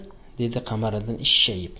dedi qamariddin ishshayib